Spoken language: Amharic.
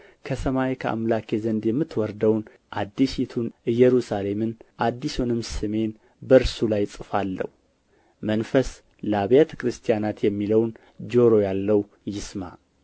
ከሰማይ ከአምላኬ ዘንድ የምትወርደውን አዲሲቱን ኢየሩሳሌምን አዲሱንም ስሜን በእርሱ ላይ እጽፋለሁ መንፈስ ለአብያተ ክርስቲያናት የሚለውን ጆሮ ያለው ይስማ